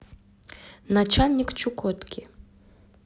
начальник чукотки